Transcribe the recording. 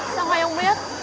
sao hai ông biết